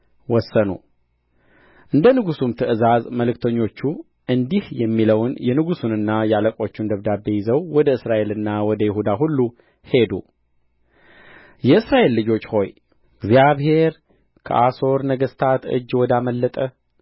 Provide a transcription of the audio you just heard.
ወሰኑ እንደ ንጉሡም ትእዛዝ መልክተኞቹ እንዲህ የሚለውን የንጉሡንና የአለቆቹን ደብዳቤ ይዘው ወደ እስራኤልና ወደ ይሁዳ ሁሉ ሄዱ የእስራኤል ልጆች ሆይ እግዚአብሔር ከአሦር ነገሥታት እጅ ወዳመለጠ